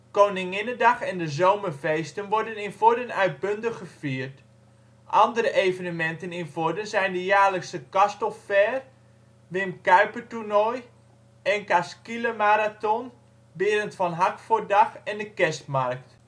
Koninginnedag en de zomerfeesten worden in Vorden uitbundig gevierd. Andere evenementen in Vorden zijn de jaarlijkse Castle Fair, Wim Kuijpertoernooi, NK Skeeler marathon, Berend van Hackfort-dag en de kerstmarkt